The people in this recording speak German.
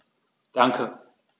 Danke.